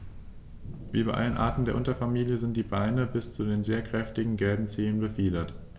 Wie bei allen Arten der Unterfamilie sind die Beine bis zu den sehr kräftigen gelben Zehen befiedert.